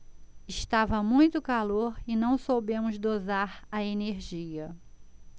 estava muito calor e não soubemos dosar a energia